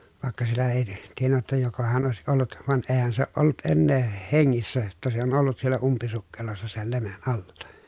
vaikka siellä ei tiennyt jotta jokohan olisi ollut vaan eihän se ole ollut enää hengissä jotta se on ollut siellä umpisukkelossa sen lemin alla